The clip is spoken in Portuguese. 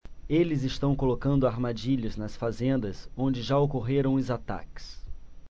eles estão colocando armadilhas nas fazendas onde já ocorreram os ataques